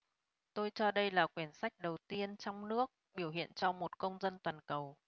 tôi cho đây là quyển sách đầu tiên trong nước biểu hiện cho một công dân toàn cầu